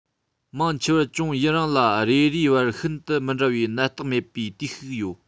མང ཆེ བར ཅུང ཡུན རིང ལ རེ རེའི བར ཤིན ཏུ མི འདྲ བའི ནད རྟགས མེད པའི དུས ཤིག ཡོད